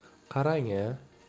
qarang a